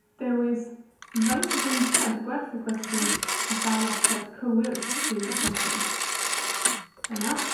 dewis faint o bwyntie ydi gwerth y cwestiwn, a sawl ateb cywir sydd i'r cwestiwn yna.